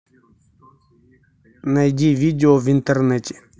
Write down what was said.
найди видео в интернете